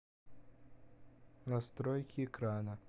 настройки экрана